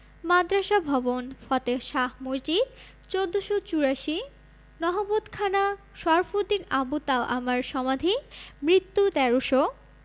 মাদ্রাসা ভবন ফতেহ শাহ মসজিদ ১৪৮৪ নহবতখানা শরফুদ্দীন আবু তাওয়ামার সমাধি মৃত্যু ১৩০০